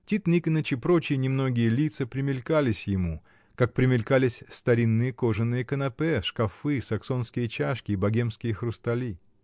Тит Никоныч и прочие немногие лица примелькались ему, как примелькались старинные кожаные канапе, шкафы, саксонские чашки и богемские хрустали.